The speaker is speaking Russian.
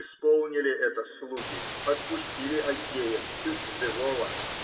Исполнили это слуги, отпустили Аггея чуть живого.